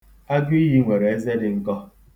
Agụiyi nwere eze dị nkọ.